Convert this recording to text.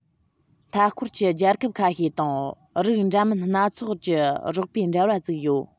མཐའ སྐོར གྱི རྒྱལ ཁབ ཁ ཤས དང རིགས འདྲ མིན སྣ ཚོགས ཀྱི རོགས པའི འབྲེལ བ བཙུགས ཡོད